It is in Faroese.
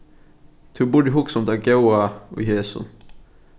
tú burdi hugsað um tað góða í hesum